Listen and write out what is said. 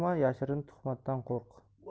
yashirin tuhmatdan qo'rq